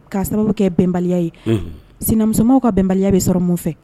K'a sababu kɛ bɛnbaliya ye sinamusow ka bɛnbaliya bɛ sɔrɔ mun fɛ